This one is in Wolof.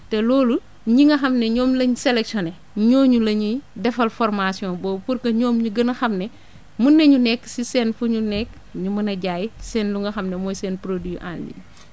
te loolu ñi nga xam ne ñoom lañ sellectioné ñooñu la ñuy defal formation boobu pour que ñoom ñu gën a xam ne mun nañu nekk si seen fu ñu nekk ñu mën a jaay seen lu nga xam ne mooy seen produit en ligne